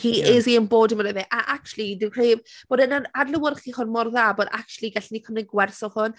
He is the embodiment of it. A acshyli, dwi'n credu bod hyn yn adlewyrchu hwn mor dda, bod acshyli gallen ni cymryd gwers o hwn.